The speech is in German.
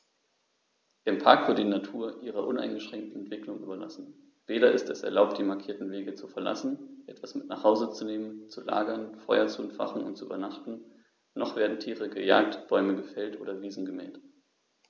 Im Park wird die Natur ihrer uneingeschränkten Entwicklung überlassen; weder ist es erlaubt, die markierten Wege zu verlassen, etwas mit nach Hause zu nehmen, zu lagern, Feuer zu entfachen und zu übernachten, noch werden Tiere gejagt, Bäume gefällt oder Wiesen gemäht.